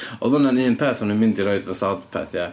Oedd hwnna'n un peth o'n i'n mynd i roi fatha Odpeth ie.